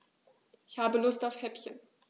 Ich habe Lust auf Häppchen.